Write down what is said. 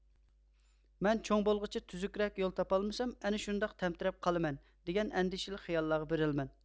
مەن چوڭ بولغۇچە تۈزۈگرەك يول تاپالمىسام ئەنە شۇنداق تەمتىرەپ قالىمەن دىگەن ئەندىشىلىك خىياللارغا بېرىلىمەن